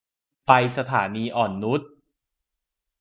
ไปสถานีอ่อนนุช